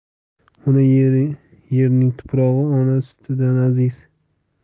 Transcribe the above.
ona yerning tuprog'i ona sutidan aziz